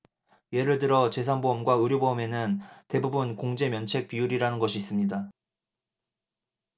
예를 들어 재산 보험과 의료 보험에는 대부분 공제 면책 비율이라는 것이 있습니다